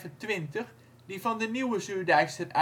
1825 die van de Nieuwe Zuurdijkster